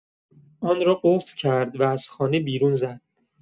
آن را قفل کرد و از خانه بیرون زد.